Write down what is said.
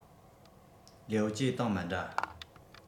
ལིའོ ཅེ དང མི འདྲ